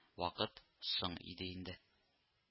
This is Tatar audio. Вакыт соң иде инде